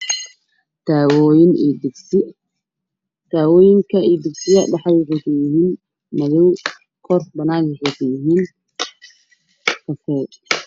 Daawoyin iyo digsi kalar kooda waxa ay kala yihiin madow iyo cadaan